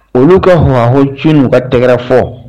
Olu ka hɔn cun ka tɛgɛgra fɔ